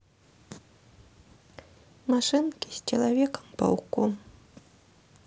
машинки с человеком пауком